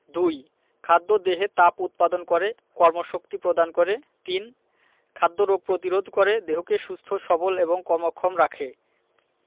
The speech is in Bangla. ২. খাদ্য দেহে তাপ উৎপাদন করে কর্মশক্তি প্রদান করে ৩. খাদ্য রোগ প্রতিরোধ করে দেহকে সুস্থ সবল এবং কর্মক্ষম রাখে